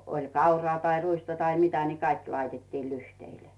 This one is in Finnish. oli kauraa tai ruista tai mitä niin kaikki laitettiin lyhteille